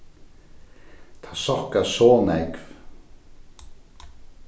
tað sokkar so nógv